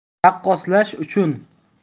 taqqoslash uchun